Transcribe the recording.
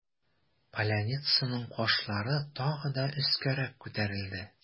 Поляницаның кашлары тагы да өскәрәк күтәрелде.